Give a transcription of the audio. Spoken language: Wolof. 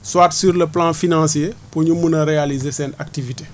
soit sur le plan financier pour ñu mun a réaliser seen activité